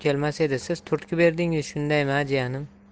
kelmas edi siz turtki berdingiz shundaymi a jiyanim